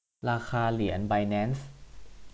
ราคาเหรียญไบแนนซ์